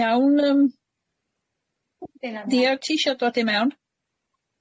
Iawn yym Deio ti isio dod i mewn?